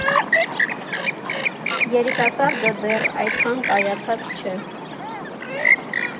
Երիտասարդը դեռ այդքան կայացած չէ.